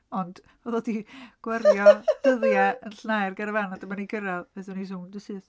Ond oedd o 'di gwario dyddiau yn llnau'r garafan, a dyma ni'n cyrraedd, aethon ni'n sownd yn syth.